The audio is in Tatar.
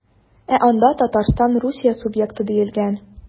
Ә анда Татарстан Русия субъекты диелгән.